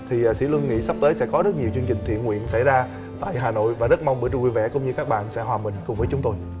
thì sỹ luân nghĩ sắp tới sẽ có rất nhiều chương trình thiện nguyện xảy ra tại hà nội và rất mong bữa trưa vui vẻ cũng như các bạn sẽ hòa mình cùng với chúng tôi